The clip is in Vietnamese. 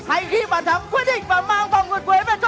hãy ghi bàn thắng quyết định và mang vòng nguyệt quế về cho